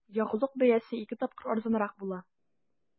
Ягулык бәясе ике тапкыр арзанрак була.